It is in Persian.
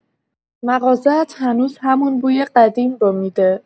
مغازه‌ات هنوز همون بوی قدیم رو می‌ده.